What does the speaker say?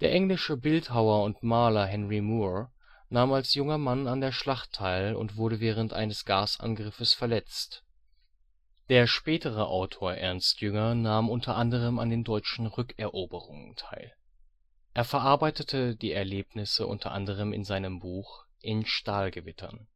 englische Bildhauer und Maler Henry Moore nahm als junger Mann an der Schlacht teil und wurde während eines Gasangriffes verletzt. Der spätere Autor Ernst Jünger nahm unter anderem an den deutschen Rückeroberungen teil. Er verarbeitete die Erlebnisse unter anderem in seinem Buch In Stahlgewittern